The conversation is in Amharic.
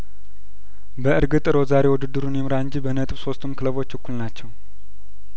በእርግጥ ሮዛሪዮ ውድድሩን ይምራ እንጂ በነጥብ ሶስቱም ክለቦች እኩል ናቸው